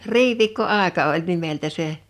riviikkoaika oli nimeltä se